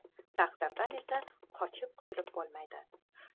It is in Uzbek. taqdirdan esa qochib qutilib bo'lmaydi